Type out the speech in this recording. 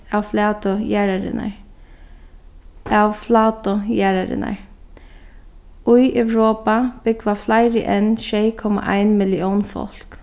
av flatu jarðarinnar av flatu jarðarinnar í europa búgva fleiri enn sjey komma ein millión fólk